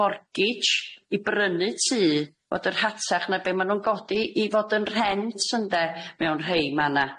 forgij i brynu tŷ fod yr hatach na be' ma' nw'n godi i fod yn rhent ynde mewn rhei ma' na.